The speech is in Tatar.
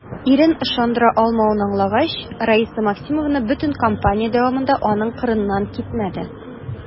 Ирен ышандыра алмавын аңлагач, Раиса Максимовна бөтен кампания дәвамында аның кырыннан китмәде.